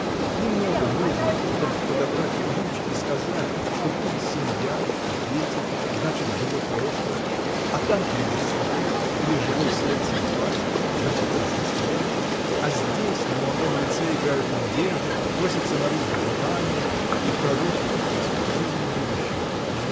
Немного нужно, чтоб подобрать ключ и сказать, что тут семья и дети, — значит, было прошлое, а там глядит страсть или живой след симпатии, — значит, есть настоящее, а здесь на молодом лице играют надежды, просятся наружу желания и пророчат беспокойное будущее. — Ну?